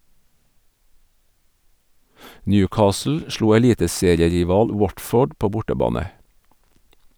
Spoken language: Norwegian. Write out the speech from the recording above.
Newcastle slo eliteserierival Watford på bortebane.